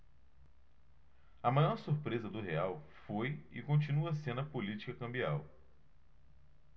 a maior surpresa do real foi e continua sendo a política cambial